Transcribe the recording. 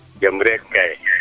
jam rek kay